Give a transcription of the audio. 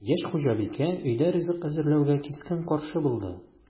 Яшь хуҗабикә өйдә ризык әзерләүгә кискен каршы булды: